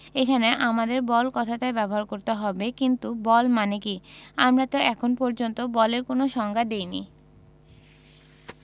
এখানে আমাদের বল কথাটাই ব্যবহার করতে হবে কিন্তু বল মানে কী আমরা তো এখন পর্যন্ত বলের কোনো সংজ্ঞা দিইনি